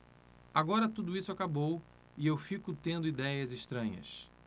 agora tudo isso acabou e eu fico tendo idéias estranhas